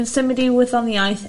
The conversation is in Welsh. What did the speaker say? cyn symud i wyddoniaeth